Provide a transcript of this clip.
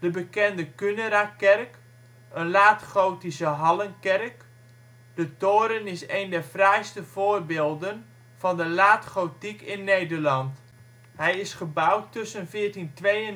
de bekende Cunerakerk, een laat-gotische hallenkerk. De toren is een der fraaiste voorbeelden van de laat-gotiek in Nederland, hij is gebouwd tussen 1492-1531